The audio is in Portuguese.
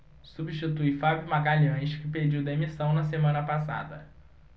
substitui fábio magalhães que pediu demissão na semana passada